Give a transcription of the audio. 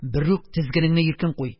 Берүк тезгенеңне иркен куй!